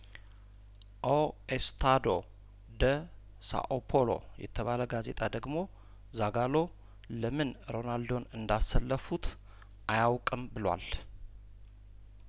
ኦኤስታዶ ደሳኦፖሎ የተባለጋዜጣ ደግሞ ዛጋሎ ለምን ሮናልዶን እንዳሰ ለፉት አያውቅም ብሏል